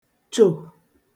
chò